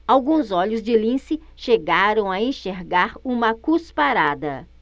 alguns olhos de lince chegaram a enxergar uma cusparada